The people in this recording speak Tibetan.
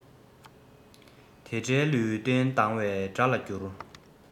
དེ འདྲའི ལུས རྟེན སྡང བའི དགྲ ལ འགྱུར